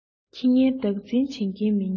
ཁྱི ངན བདག འཛིན བྱེད མཁན མི ངན རེད